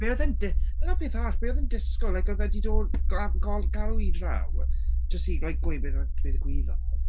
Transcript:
Be oedd e'n di... dyna peth arall be oedd e'n disgwyl like oedd e 'di dod gal- gol- galw hi draw jyst i like gweud beg- be ddigwyddodd.